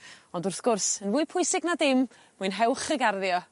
ond wrth gwrs yn fwy pwysig na ddim mwynhewch y garddio.